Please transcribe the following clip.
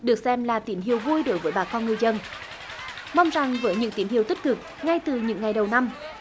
được xem là tín hiệu vui đối với bà con ngư dân mong rằng với những tín hiệu tích cực ngay từ những ngày đầu năm